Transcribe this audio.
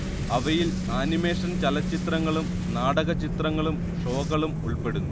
അവയിൽ ആനിമേഷൻ ചലചിത്രങ്ങളും നാടക ചിത്രങ്ങളും ഷോകളും ഉൽപ്പെടുന്നു